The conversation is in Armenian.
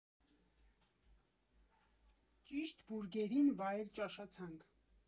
Ճիշտ բուրգերին վայել ճաշացանկ։